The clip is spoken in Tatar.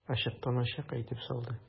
Ачыктан-ачык әйтеп салды.